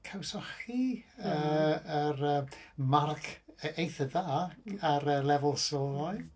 Cawsoch chi yy yr... y marc eitha dda ar lefel sylfaen?